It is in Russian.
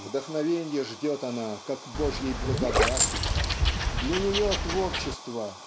Вдохновенья ждет она, как Божьей благодати для нее творчество